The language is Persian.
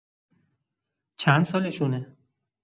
چند سالشونه؟